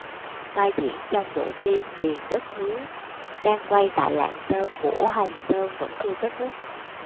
vai diễn trong bộ phim miền đất hứa đang quay tại lạng sơn của hồng sơn vẫn chưa kết thúc